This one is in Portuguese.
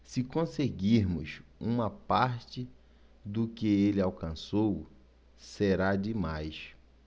se conseguirmos uma parte do que ele alcançou será demais